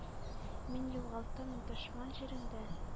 Мин югалттым «д»[ошман] җирендә